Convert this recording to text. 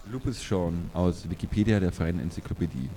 Lupus Shaun, aus Wikipedia, der freien Enzyklopädie